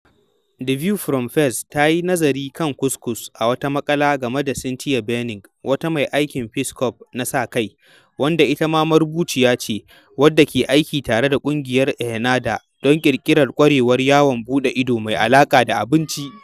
The View from Fez ta yi nazari kan couscous a wata maƙala game da Cynthia Berning, wata mai aikin Peace Corps na sa kai(wanda ita ma marubuciya ce), wadda ke aiki tare da Ƙungiyar ENNAHDA don ƙirƙirar ƙwarewar yawon buɗe ido mai alaƙa da abinci.